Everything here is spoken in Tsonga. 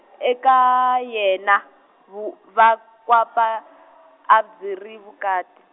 eka yena, vu- vakwapa, a byi ri vukati.